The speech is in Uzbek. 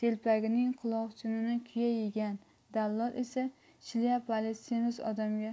telpagining quloqchinini kuya yegan dallol esa shlyapali semiz odamga